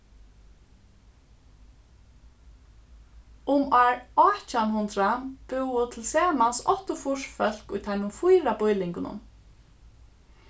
um ár átjan hundrað búðu tilsamans áttaogfýrs fólk í teimum fýra býlingunum